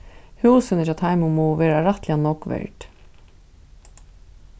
húsini hjá teimum mugu vera rættiliga nógv verd